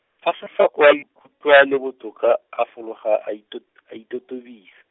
fa Sefako a ikutlwa a le botoka, a fologa a itot-, a itotobisa.